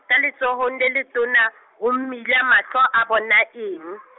ka letsohong le letona, ho mmila mahlo a bonang eng?